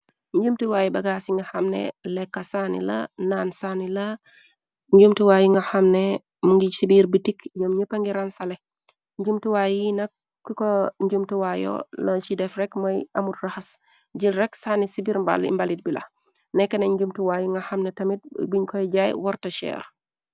Njumtuwaayu bagaa ci nga xamne lekka saani la naan sani la. Njumtuwaa yi nga xamne mu ngi sibiir bi tikk ñoom ñëppa ngiran sale. Njumtuwaay yi naki ko njumtuwaayoo na ci def rek mooy amur raxas jil rek sanni sibiir mbal imbalid bi la nekk. Nañ jumtuwaay yi nga xamne tamit buñ koy jaay worta sheer.